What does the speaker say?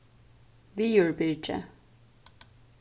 viðurbyrgi